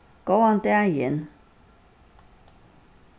góðan dagin